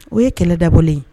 O ye kɛlɛ dabɔ ye